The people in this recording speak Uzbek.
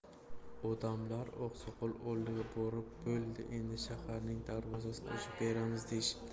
odamlar oqsoqol oldiga borib bo'ldi endi shaharning darvozasini ochib beramiz deyishibdi